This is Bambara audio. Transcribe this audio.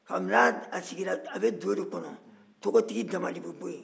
kabin'a sigira tɔgɔtigi dama de bɛ bɔ yen